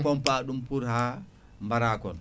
pompa ɗum pour ha mbaara konŧ